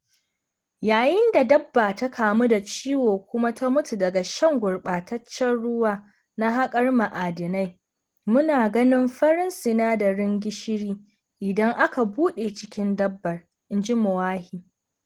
“Yayin da dabba ta kamu da ciwo kuma ta mutu daga shan gurɓataccen ruwa na haƙar ma’adinai, muna ganin farin sinadarin gishiri idan aka buɗe cikin dabbar,” in ji Moahi.